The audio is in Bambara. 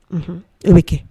Un e bɛ kɛ